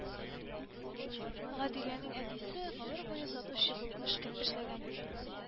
Гадиләнең әтисе гомер буе сатучы булып эш эшләгә